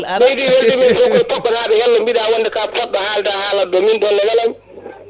ɓeydi weldemi hen foof ko * ñanden mbiɗa wonde ka poɗɗo halde a haalat ɗo min ɗon ne welami